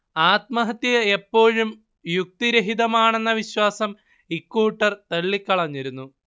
ആത്മഹത്യ എപ്പോഴും യുക്തിരഹിതമാണെന്ന വിശ്വാസം ഇക്കൂട്ടർ തള്ളിക്കളഞ്ഞിരുന്നു